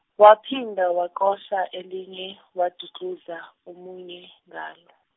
waphinda wacosha elinye, wadukluza omunye, ngalo.